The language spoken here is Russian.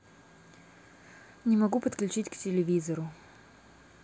не могу подключить к телевизору